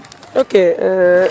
ok